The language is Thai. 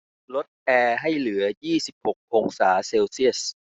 ลดแอร์ให้เหลือยี่สิบหกองศาเซลเซียส